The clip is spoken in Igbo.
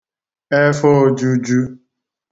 ẹfhọōjūjū